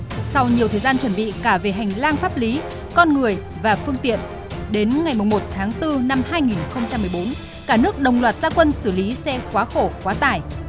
sau nhiều thời gian chuẩn bị cả về hành lang pháp lý con người và phương tiện đến ngày mồng một tháng tư năm hai nghìn không trăm mười bốn cả nước đồng loạt ra quân xử lý xe quá khổ quá tải